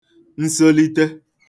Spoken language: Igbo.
nsolite